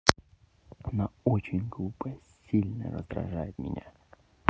она очень глупая сильно раздражает меня